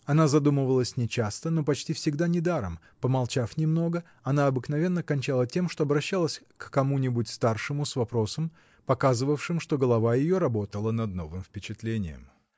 Она задумывалась не часто, но почти всегда недаром: помолчав немного, она обыкновенно кончала тем, что обращалась к кому-нибудь старшему с вопросом, показывавшим, что голова ее работала над новым впечатлением.